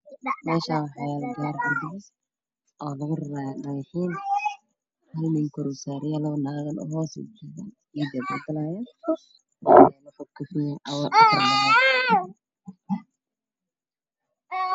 Meshan waxaa yalo gari cara gedis lagu rara dhagxiin nin kor saran laba naag hos tagan dhagxiin daldalayan